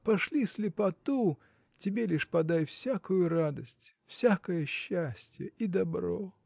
пошли слепоту – тебе лишь подай всякую радость всякое счастье и добро.